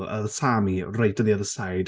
a oedd Sammy right on the other side.